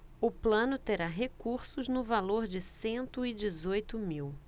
o plano terá recursos no valor de cento e dezoito mil